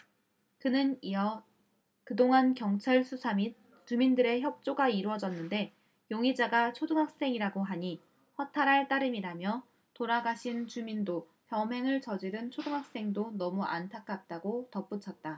그는 이어 그동안 경찰 수사 및 주민들의 협조가 이뤄졌는데 용의자가 초등학생이라고 하니 허탈할 따름이라며 돌아가신 주민도 범행을 저지른 초등학생도 너무 안타깝다고 덧붙였다